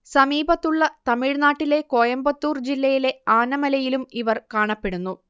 സമീപത്തുള്ള തമിഴ്നാട്ടിലെ കോയമ്പത്തൂർ ജില്ലയിലെ ആനമലയിലും ഇവർ കാണപ്പെടുന്നു